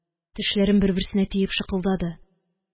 Тешләрем бер-берсенә тиеп шыкылдады